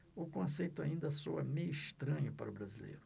o conceito ainda soa meio estranho para o brasileiro